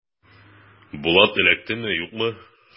Булат эләктеме, юкмы?